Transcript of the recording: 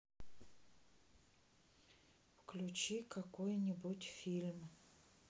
включи какой нибудь фильм